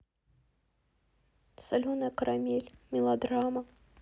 соленая карамель мелодрама